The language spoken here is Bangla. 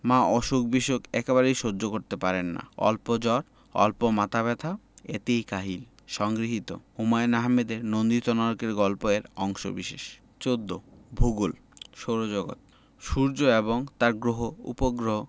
মা অসুখ বিসুখ একেবারেই সহ্য করতে পারেন না অল্প জ্বর অল্প মাথা ব্যাথা এতেই কাহিল সংগৃহীত হুমায়ুন আহমেদের নন্দিত নরকে গল্প এর অংশবিশেষ ১৪ ভূগোল সৌরজগৎ সূর্য এবং তার গ্রহ উপগ্রহ